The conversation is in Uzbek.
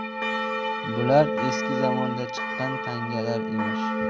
bular eski zamonda chiqqan tangalar emish